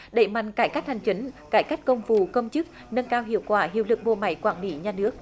đẩy mạnh cải cách hành chính cải cách công vụ công chức nâng cao hiệu quả hiệu lực bộ máy quản lý nhà nước